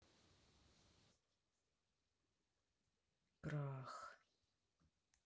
крах